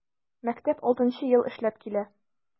Мәктәп 6 нчы ел эшләп килә.